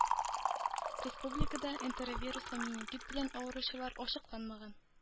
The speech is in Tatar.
Республикада энтеровируслы менингит белән авыручылар ачыкланмаган.